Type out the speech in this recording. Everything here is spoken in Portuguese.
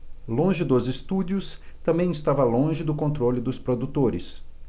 longe dos estúdios também estava longe do controle dos produtores